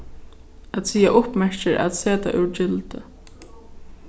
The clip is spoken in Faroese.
at siga upp merkir at seta úr gildi